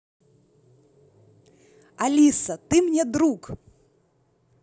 алиса ты мне друг